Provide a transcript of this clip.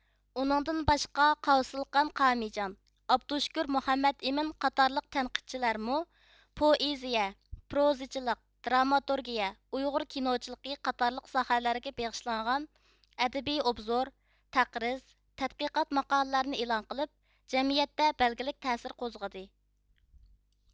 ئۇنىڭدىن باشقا قاۋسىلقان قامىجان ئابدۇشۈكۈر مۇھەممەتئىمىن اتارلىق تەنقىدچىلەرمۇ پوئېزىيە پروزىچىلىق دراماتورگىيە ئۇيغۇر كىنوچىلىقى قاتارلىق ساھەلەرگە بېغىشلانغان ئەدەبىي ئوبزور تەقرىز تەتقىقات ماقالىلەرنى ئېلان قىلىپ جەمئىيەتتە بەلگىلىك تەسىر قوزغىدى